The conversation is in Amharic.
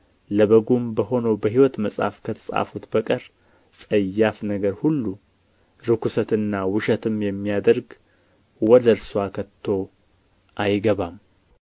ለበጉም በሆነው በሕይወት መጽሐፍ ከተጻፉት በቀር ጸያፍ ነገር ሁሉ ርኵሰትና ውሸትም የሚያደርግ ወደ እርስዋ ከቶ አይገባም